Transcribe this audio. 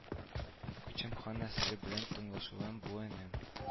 Күчем хан нәселе белән туганлашуың бу энем